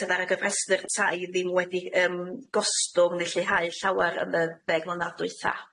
sydd ar y gyfrestyr tai ddim wedi yym gostwng ne' lleihau llawer yn y ddeg mlynadd dwetha.